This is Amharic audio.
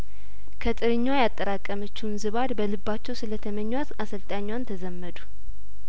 ከጥርኟ ያጠራቀመችውን ዝባድ በልባቸው ስለተመኟት አሰልጣኟን ተዘመዱ